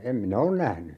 en minä ole nähnyt